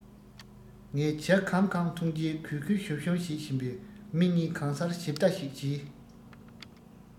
ངས ཇ ཁམ གང འཐུང གུས གུས ཞུམ ཞུམ བྱེད བཞིན པའི མི གཉིས གང སར ཞིབ ལྟ ཞིག བྱས